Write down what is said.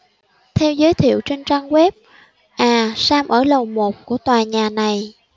theo giới thiệu trên trang web ah sam ở lầu một của tòa nhà này